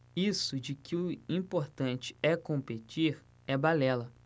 isso de que o importante é competir é balela